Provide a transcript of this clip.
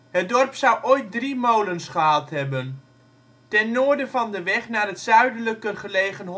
Het dorp zou ooit drie molens gehad hebben. Ten noorden van de weg naar het zuidelijker gelegen